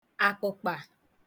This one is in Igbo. àkpụ̀kpà